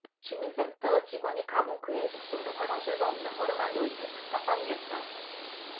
주민센터 직원이 가본 그의 숙소는 화장실도 없는 허름한 여인숙 단칸방이었다